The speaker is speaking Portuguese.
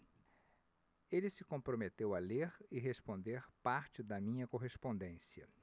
ele se comprometeu a ler e responder parte da minha correspondência